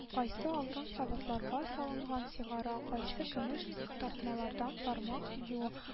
Кайсы алтын савытларга салынган сигара, кайсы көмеш тартмалардан бармак юа